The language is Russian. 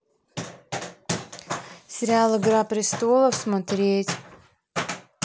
сериал игра престолов смотреть